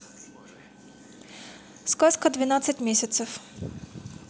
сказка двенадцать месяцев